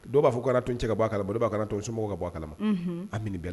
Dɔw b'a fɔ ko kana to cɛ ka bɔ a kala b'a to so sumaworomɔgɔw ka bɔ kala a